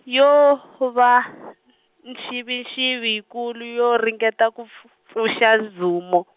yo va, nxivinxivi yikulu yo ringeta ku pf- pfuxa Zumo.